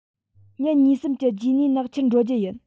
ཉིན གཉིས གསུམ གྱི རྗེས ནས ནག ཆུར འགྲོ རྒྱུ ཡིན